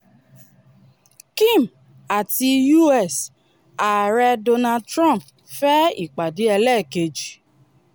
Kim àti U.S. Ààrẹ Donald Trump fẹ́ ìpàdé ẹlẹ́ẹ̀kejì.